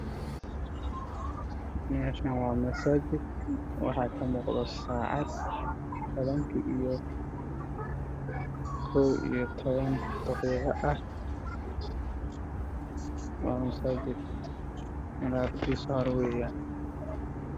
Waa masaajid darbiga waxa ku dhaggan saacad daaraan oo guduud ah waxaa ii muuqdo darbiga qoraalku qoran